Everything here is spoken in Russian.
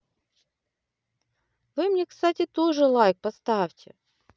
вы мне кстати тоже лайк поставьте